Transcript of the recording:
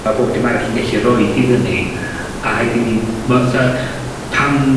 a bob dim arall yn gallu rhoid iddon ni, a rhaid i ni... Ma' fatha pan